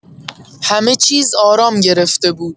همه چیز آرام گرفته بود.